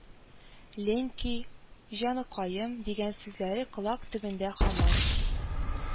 Ленькийª, ´җаныкаемª дигән сүзләре колак төбендә һаман